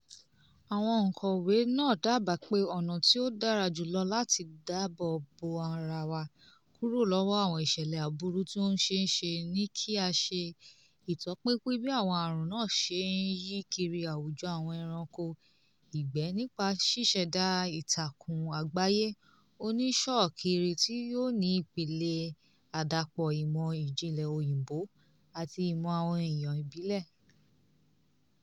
"Àwọn òǹkọ̀wé náà dábàá pé ọ̀nà tí ó dára jùlọ láti dáàbò bo ara wa kúrò lọ́wọ́ àwọn ìṣẹ̀lẹ̀ aburú tí ó ṣeéṣe ni kí á ṣe ìtọpinpin bí àwọn àrùn náà ṣe ń yí kiri àwùjọ àwọn ẹranko ìgbẹ́ nípa ṣíṣẹ̀dá ìtakùn àgbáyé oníṣọ̀ọ́kiri tí yóò ní ìpìlẹ̀ àdàpọ̀ ìmọ̀ ìjìnlẹ̀ Òyìnbó àti ìmọ̀ àwọn èèyàn ìbílẹ̀."